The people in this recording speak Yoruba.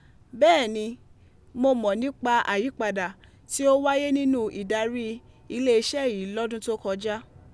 Bẹ́ẹ̀ ni, mo mọ̀ nípa àyípadà tí ó wáyé nínú ìdarí iléeṣẹ́ yín lọ́dún tó kọjá.